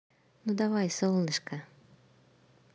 ну давай солнышко